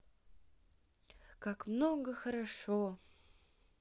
как много хорошо